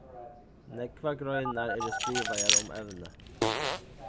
nógvar greinar eru skrivaðar um evnið